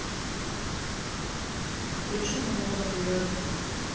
включи нам уроки йоги